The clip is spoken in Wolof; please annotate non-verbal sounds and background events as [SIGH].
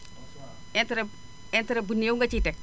[CROSSTALK] interet interet bu néew nga ciy teg